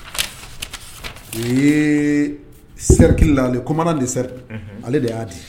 o yee cercle la le commandant de cercle unhun ale de y'a di